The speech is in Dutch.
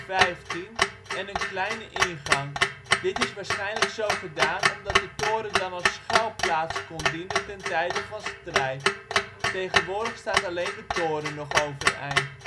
1,15 m) en een kleine ingang. Dit is waarschijnlijk zo gedaan omdat de toren dan als schuilplaats kon dienen ten tijde van strijd. Tegenwoordig staat alleen de toren nog overeind